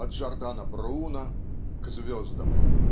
о Джордано Бруно ("К звездам")